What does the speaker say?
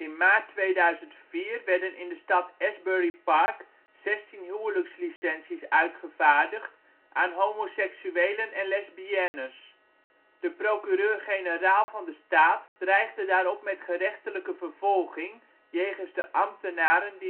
maart 2004 werden in de stad Asbury Park zestien huwelijkslicenties uitgevaardigd aan homoseksuelen en lesbiennes. De procureur-generaal van de staat dreigde daarop met gerechtelijke vervolging jegens de ambtenaren